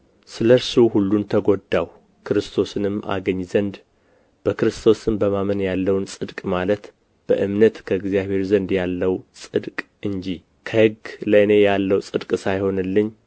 ስለ እርሱ ሁሉን ተጐዳሁ ክርስቶስንም አገኝ ዘንድ በክርስቶስም በማመን ያለው ጽድቅ ማለት በእምነት ከእግዚአብሔር ዘንድ ያለው ጽድቅ እንጂ ከሕግ ለእኔ ያለው ጽድቅ ሳይሆንልኝ